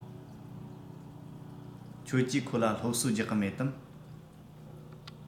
ཁྱོད ཀྱིས ཁོ ལ སློབ གསོ རྒྱག གི མེད དམ